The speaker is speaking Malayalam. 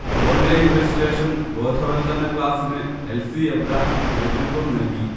ഓൺലൈൻ രജിസ്ട്രേഷൻ ബോധവത്കരണ ക്ലാസ്സിന് എൽ. സി. എബ്രഹാം നേതൃത്വം നൽകി